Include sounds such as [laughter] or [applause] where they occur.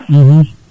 [hesitation] [hesitation]